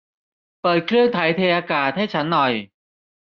เปิดเครื่องถ่ายเทอากาศให้ฉันหน่อย